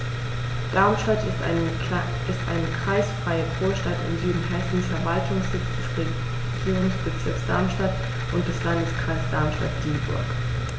Darmstadt ist eine kreisfreie Großstadt im Süden Hessens, Verwaltungssitz des Regierungsbezirks Darmstadt und des Landkreises Darmstadt-Dieburg.